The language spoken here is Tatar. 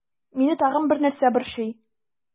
Мине тагын бер нәрсә борчый.